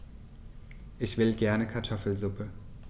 Ich will gerne Kartoffelsuppe.